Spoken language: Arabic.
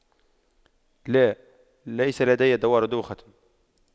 لا ليس لدي دوار ودوخة